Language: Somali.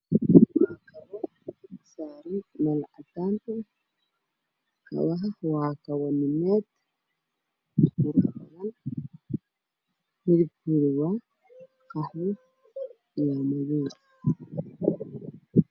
Waa kaba baabuud midabkoodii hore madow qaxwi is waxay saaran yihiin miis caddaan